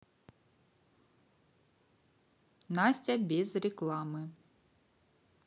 настя без рекламы